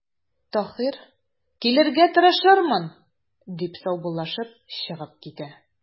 Таһир:– Килергә тырышырмын,– дип, саубуллашып чыгып китә.